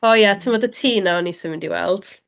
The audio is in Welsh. O ie, timod y tŷ 'na o'n i isio mynd i weld?